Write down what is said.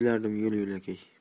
o'ylardim yo'l yo'lakay